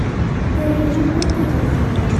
Dalilan ɗaukaka ƙara